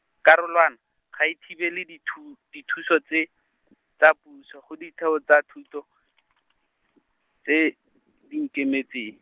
karolwana, ga e thibele dithu-, dithuso tse, tsa puso, go ditheo tsa thuto, tse, di ikemetse.